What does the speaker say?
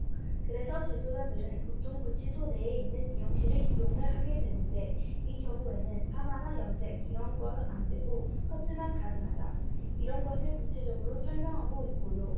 그래서 재소자들은 보통 구치소 내에 있는 미용실을 이용을 하게 되는데 이 경우에는 파마나 염색 이런 거 안 되고 커트만 가능하다 이런 것을 구체적으로 설명하고 있고요